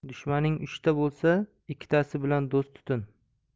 dushmaning uchta bo'lsa ikkitasi bilan do'st tutin